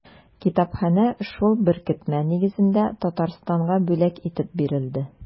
Китапханә шул беркетмә нигезендә Татарстанга бүләк итеп бирелде.